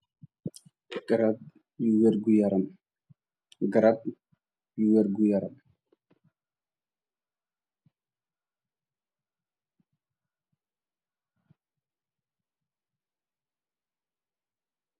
Garaab yu wergi yaram, garaab yu wergi yaram